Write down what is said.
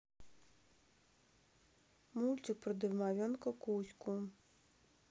мультик про домовенка кузьку